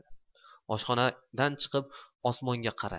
oshxonadan chiqib osmonga qaradi